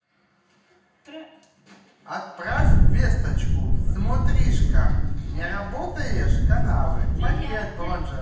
отправить весточку смотрешка не работает каналы пакет бронза